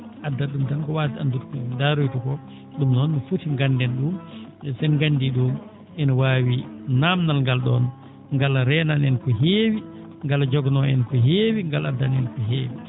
addata ɗum tan ko waasde anddude ko ndaaroyta ko ɗum noon no foti ngannden ɗum so en nganndii ɗum ina waawi naamdal ngal ɗon gala reenan en ko heewi ngal joganoo en ko heewi ngal anddana en ko heewi